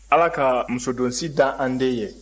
ala ka musodonsi da an den ye